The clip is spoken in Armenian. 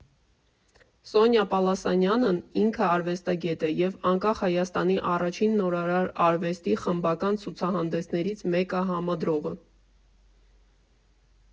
Սոնյա Պալասանյանն ինքը արվեստագետ է և անկախ Հայաստանի առաջին նորարար արվեստի խմբական ցուցահանդեսներից մեկը համադրողը։